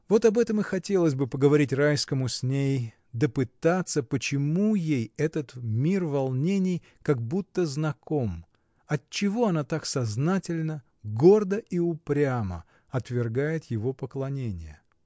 Вот об этом и хотелось бы поговорить Райскому с ней, допытаться, почему ей этот мир волнений как будто знаком, отчего она так сознательно, гордо и упрямо отвергает его поклонение.